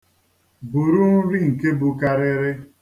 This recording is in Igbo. Buru nri nke bukarịrị.